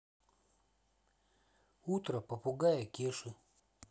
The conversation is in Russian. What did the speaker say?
утро попугая кеши